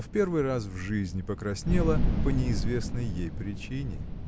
но в первый раз в жизни покраснела по неизвестной ей причине.